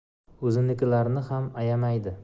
uzinikilarni xam ayamaydi